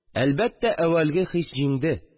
Әлбәттә, әүвәлге хис җиңде